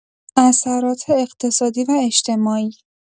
اثرات اقتصادی و اجتماعی